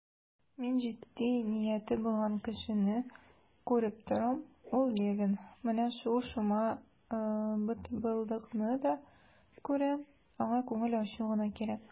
Мин җитди нияте булган кешене күреп торам, ул Левин; менә шул шома бытбылдыкны да күрәм, аңа күңел ачу гына кирәк.